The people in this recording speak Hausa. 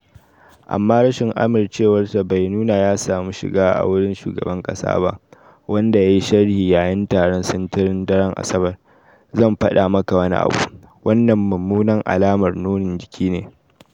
Amma rashin amincewarta bai nuna ya samu shiga a wurin shugaban kasa ba, wanda ya yi sharhi yayin taron sintirin daren Asabar: “Zan fada maka wani abu, Wannan mummunan alamar nunin jiki ne.